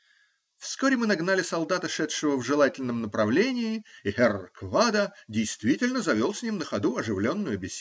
Вскоре мы нагнали солдата, шедшего в желательном направлении, и херр Квада, действительно, завел с ним на ходу оживленную беседу.